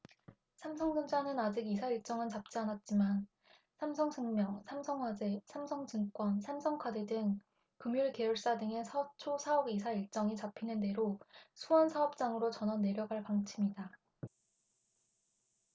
삼성전자는 아직 이사 일정은 잡지 않았지만 삼성생명 삼성화재 삼성증권 삼성카드 등 금융계열사들의 서초 사옥 이사 일정이 잡히는 대로 수원사업장으로 전원 내려갈 방침이다